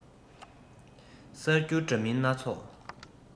གསར འགྱུར འདྲ མིན སྣ ཚོགས